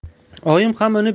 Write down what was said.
oyim ham uni